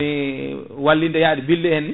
wallidde yaade en ni